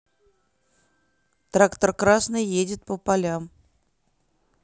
трактор красный едет по полям